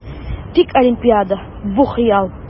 Тик Олимпиада - бу хыял!